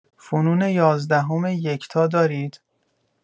فنون یازدهم یکتا دارید؟